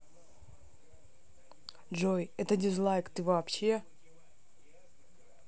джой это дизлайк ты вообще